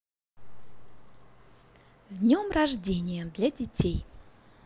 с днем рождения для детей